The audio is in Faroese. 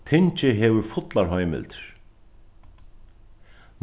tingið hevur fullar heimildir